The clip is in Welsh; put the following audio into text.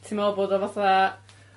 Ti me'wl bod o fatha